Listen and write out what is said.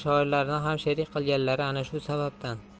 ham sherik qilganlari ana shu sababdan